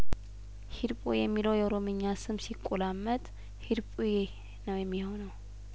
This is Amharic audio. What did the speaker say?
ሂርጶ የሚለው የኦሮምኛ ስም ሲቆላመጥ ሂርጱዬ ነው የሚሆነው